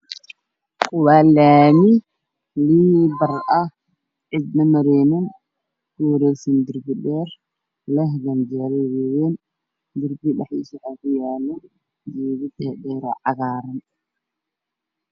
Waa laami liibar ah ka dib reeban ku wareegsan darbi dheer lehna ganjeelo gaduudan dhexdiisa waxaa ku yaalo geedo dhaadheer oo cagaaran